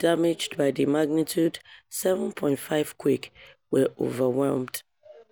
damaged by the magnitude 7.5 quake, were overwhelmed.